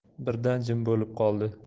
birdan jim bo'lib qoldi